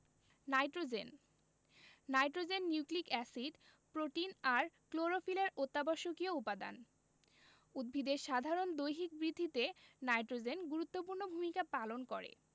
nitrogen nitrogen nucleic acid protein আর ক্লোরোফিলের অত্যাবশ্যকীয় উপাদান উদ্ভিদের সাধারণ দৈহিক বৃদ্ধিতে নাইট্রোজেন গুরুত্বপূর্ণ ভূমিকা পালন করে